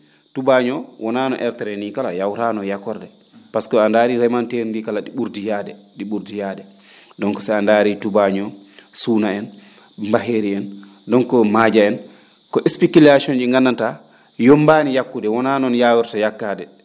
tubañoo wonaa no ertere ni kala yaawraa noon yakkorde par ce que a ndaari ndemanteeri ndii kala ?i ?urdi yaade ?i ?urdi yaade donc so a ndaari tubaañoo suuna en mbaheeri en donc : fra maaje en ko spiculation ji ?i ngandantaa yommbaani yakkude wonaa noon yaawirta yakkaade